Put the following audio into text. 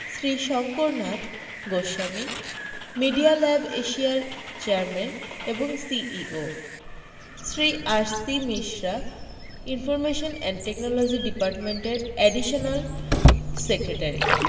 Shri Shankar Nath Goswami media lab এশিয়ার chairman এবং CEO Shri R C Mishra information and technology ডিপার্টমেন্টের অ্যাডিসানাল সেক্রেটারি